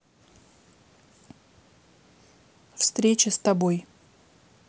встречи с тобой